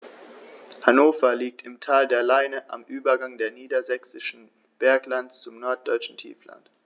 Hannover liegt im Tal der Leine am Übergang des Niedersächsischen Berglands zum Norddeutschen Tiefland.